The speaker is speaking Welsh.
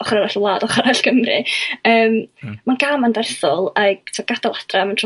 ochor arall y wlad ochor arall Cymru yym er ma'n gam anferthol ag t'god gada'l adra am y tro